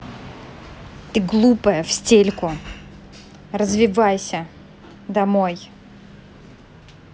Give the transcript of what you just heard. ты глупая в стельку развивайся домой